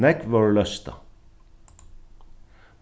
nógv vórðu løstað